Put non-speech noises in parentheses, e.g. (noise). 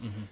(hesitation) (hesitation)